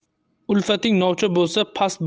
ulfating novcha bo'lsa past